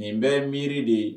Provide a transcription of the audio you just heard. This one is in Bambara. Nin bɛ miiriri de